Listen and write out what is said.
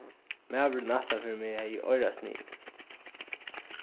maðurin aftan fyri meg hevði oyrasnigil